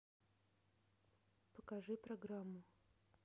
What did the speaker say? покажи программу